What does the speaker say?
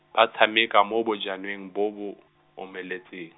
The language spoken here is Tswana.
ba tshameka mo bojannye bo bo, omeletseng.